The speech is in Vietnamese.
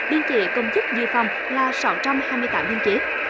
biên chế công chức dự phòng là sáu trăm hai mươi tám biên chế